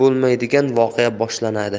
bo'lmaydigan voqea boshlanadi